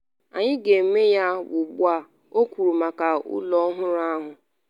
“Anyị ga-eme ya ugbu a,” o kwuru maka ụlọ ọhụrụ ahụ.